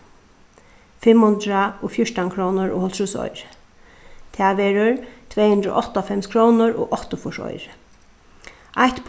fimm hundrað og fjúrtan krónur og hálvtrýss oyru tað verður tvey hundrað og áttaoghálvfems krónur og áttaogfýrs oyru eitt